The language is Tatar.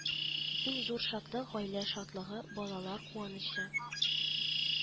Иң зур шатлык гаилә шатлыгы, балалар куанычы